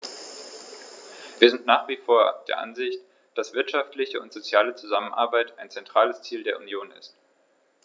Wir sind nach wie vor der Ansicht, dass der wirtschaftliche und soziale Zusammenhalt ein zentrales Ziel der Union ist.